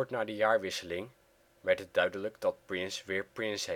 na de jaarwisseling werd het duidelijk dat Prince weer Prince